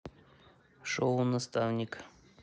шоу наставник